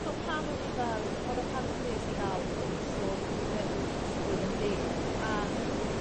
Wel pan o'n i fel o'dd e pan dechreues i ga'l n'w so bydde blwy- byti blwyddyn deg a